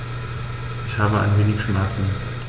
Ich habe ein wenig Schmerzen.